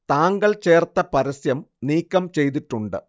താങ്കൾ ചേർത്ത പരസ്യം നീക്കം ചെയ്തിട്ടുണ്ട്